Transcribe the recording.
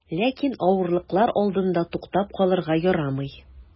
Ләкин авырлыклар алдында туктап калырга ярамый.